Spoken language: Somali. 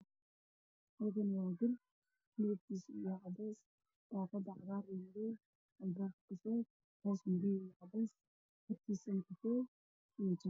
Halkaan waa guri midabkiisa yahay cadees albaabkiisa waa qaxwi